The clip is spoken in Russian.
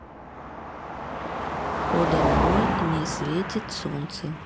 подо мной не светит солнце